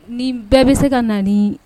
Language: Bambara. Ni bɛɛ bɛ se ka na